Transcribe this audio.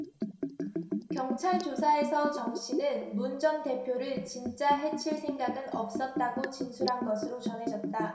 경찰 조사에서 정씨는 문 전 대표를 진짜 해칠 생각은 없었다고 진술한 것으로 전해졌다